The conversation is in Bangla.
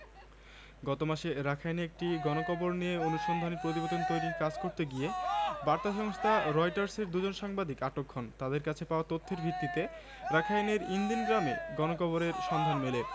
গতকাল বুধবার মিয়ানমার সশস্ত্র বাহিনীর সর্বাধিনায়ক ও সশস্ত্র বাহিনীর প্রধান সিনিয়র জেনারেল মিন অং হ্লিয়াংয়ের ফেসবুক পোস্টে এই স্বীকারোক্তি এসেছে বলে বিবিসি জানিয়েছে